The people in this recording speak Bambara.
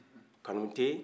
kanute